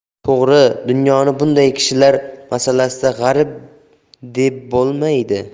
to'g'ri dunyoni bunday kishilar masalasida g'arib debbo'lmaydi